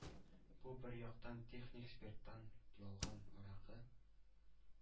Бу бер яктан техник спирттан ялган аракы